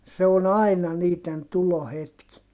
se on aina niiden tulohetki